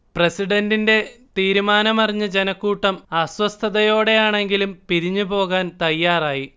പ്രസിഡന്റിന്റെ തീരുമാനമറിഞ്ഞ ജനക്കൂട്ടം അസ്വസ്ഥതയോടെയാണെങ്കിലും പിരിഞ്ഞു പോകാൻ തയ്യാറായി